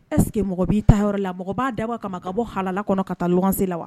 Est ce que mɔgɔ b'i taayɔrɔ la mɔgɔ b'a dabɔ a kama ka bɔ halala kɔnɔ ka taa luwanse la wa